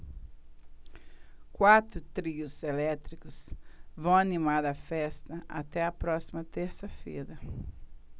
quatro trios elétricos vão animar a festa até a próxima terça-feira